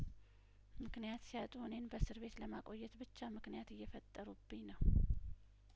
ምክንያት ሲያጡ እኔን በእስር ቤት ለማቆየት ብቻ ምክንያት እየፈጠሩብኝ ነው